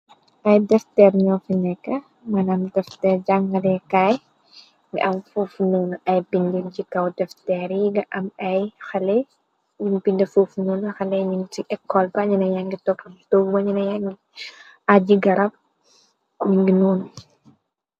Ay desteer ñoo fi nekk mën am desteer jàngale kaay ngi am fuuf nuunu ay bindir ci kaw defteer yi ga am ay xele yim pind fuuf nuun xele ning ci ek kolpa ñuna yangi toppa bu tob ma ñuna ya aji garab ningi nuun.